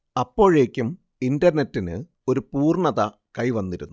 അപ്പോഴേക്കും ഇന്റർനെറ്റിന് ഒരു പൂർണ്ണത കൈവന്നിരുന്നു